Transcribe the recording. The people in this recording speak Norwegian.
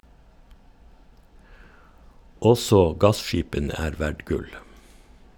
Også gasskipene er verd gull.